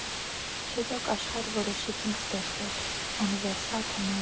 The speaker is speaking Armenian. Չեզոք աշխարհ որոշեցինք ստեղծել՝ ունիվերսալ թեմայով։